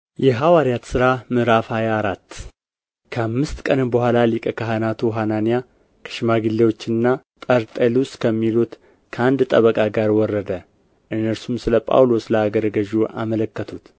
የሐዋርያት ሥራ ምዕራፍ ሃያ አራት ከአምስት ቀንም በኋላ ሊቀ ካህናቱ ሐናንያ ከሽማግሌዎችና ጠርጠሉስ ከሚሉት ከአንድ ጠበቃ ጋር ወረደ እነርሱም ስለ ጳውሎስ ለአገረ ገዡ አመለከቱት